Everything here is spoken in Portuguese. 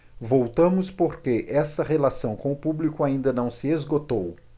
voltamos porque essa relação com o público ainda não se esgotou